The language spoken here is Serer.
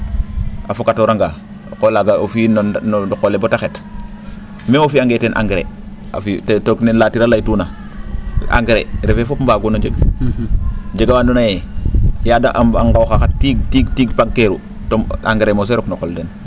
a fokatooranga o qol laaga o fi'in no qole boo ta xet meme o fi'angee teen engrais a fi comme ne Latir a laytuuna engrais refee fop mbaagun o njeg a jega waa andoona yee yaa da nqooxa tiig, tiig pagkeeru engrais mosee roq no o qol den